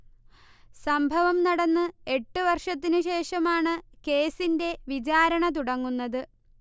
സംഭവം നടന്ന് എട്ടു വർഷത്തിനു ശേഷമാണു കേസിന്റെ വിചാരണ തുടങ്ങുന്നത്